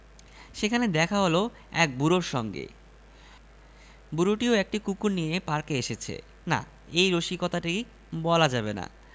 আমি এত সুন্দর পটি জন্মেও দেখিনি ছেলেটি কোন কথা বলল না গম্ভীর হয়ে রইল নশিতাটাসতা দেয়া হয়েছে এমন সময় ছেলেটি এসে ঘোষণা করল পটিটি সে সম্মানিত অতিথিকে দিয়ে দিয়েছে